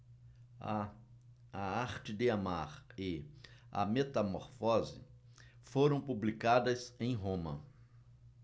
a arte de amar e a metamorfose foram publicadas em roma